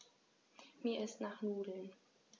Mir ist nach Nudeln.